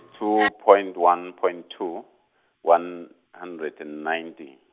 two point one point two, one hundred and ninety.